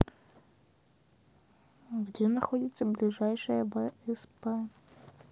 где находится ближайшее всп